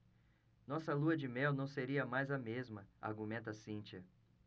nossa lua-de-mel não seria mais a mesma argumenta cíntia